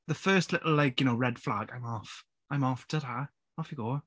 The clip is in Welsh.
The first little like you know red flag I'm off. I'm off. Ta-ta off you go.